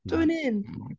Join in!